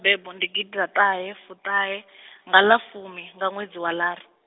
bebwa ndi gidiḓaṱahefuṱahe, nga ḽa fumi nga ṅwedzi wa ḽara.